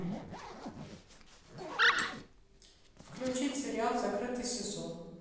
включить сериал закрытый сезон